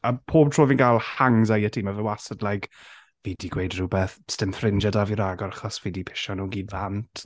A pob tro fi'n cael hangxiety mae fe wastad yn like "fi 'di gweud rywbeth... sdim ffrindie 'da fi rhagor achos dwi 'di pisio nhw gyd fant".